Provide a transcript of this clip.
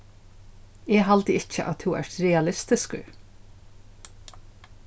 eg haldi ikki at tú ert realistiskur